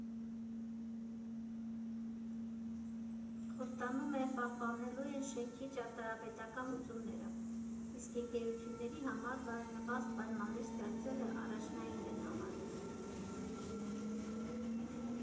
Խոստանում է՝ պահպանելու են շենքի ճարտարապետական լուծումները, իսկ ընկերությունների համար բարենպաստ պայմաններ ստեղծելը առաջնային են համարում։